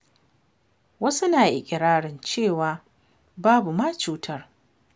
Wasu na iƙirarin cewa babu ma cutar.